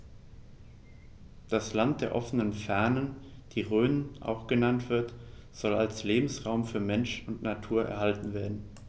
Das „Land der offenen Fernen“, wie die Rhön auch genannt wird, soll als Lebensraum für Mensch und Natur erhalten werden.